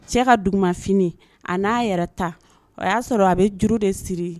Cɛ ka duguma fini a n'a yɛrɛ ta, o y'a sɔrɔ a bɛ juru de siri